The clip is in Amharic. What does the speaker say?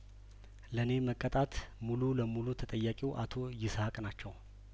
ለእኔ መቀጣት ሙሉ ለሙሉ ተጠያቂው አቶ ይስሀቅ ናቸው